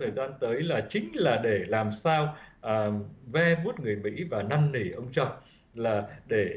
thời gian tới là chính là để làm sao ờ ve vuốt người mỹ và năn nỉ ông trọng là để